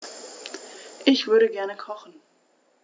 Ich würde gerne kochen.